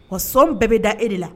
Wa sɔn bɛɛ bɛ da e de la